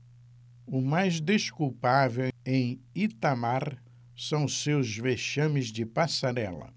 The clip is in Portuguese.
o mais desculpável em itamar são os seus vexames de passarela